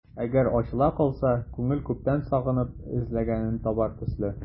Әгәр ачыла калса, күңел күптән сагынып эзләгәнен табар төсле...